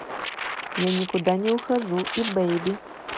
я никуда не ухожу и baby